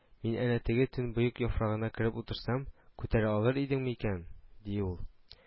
Мин әнә теге төнбоек яфрагына кереп утырсам, күтәрә алыр идеме икән? – ди ул